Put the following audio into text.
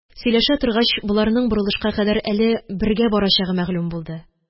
Сөйләшә торгач, боларның борылышка кадәр әле бергә барачагы мәгълүм булды.